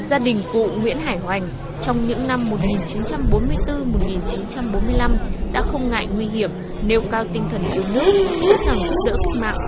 gia đình cụ nguyễn hải hoành trong những năm một nghìn chín trăm bốn mươi tư một nghìn chín trăm bốn mươi lăm đã không ngại nguy hiểm nêu cao tinh thần yêu nước sẵn sàng giúp đỡ cách mạng